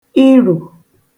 irò